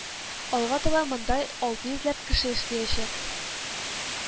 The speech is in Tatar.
Алга таба монда алты йөзләп кеше эшләячәк